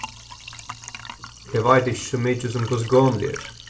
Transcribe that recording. eg veit ikki so mikið sum hvussu gomul eg eri